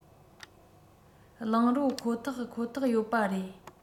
རླངས རོ ཁོ ཐག ཁོ ཐག ཡོད པ རེད